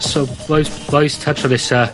So bois bois tan tro nesa